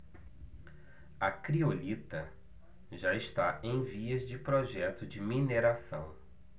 a criolita já está em vias de projeto de mineração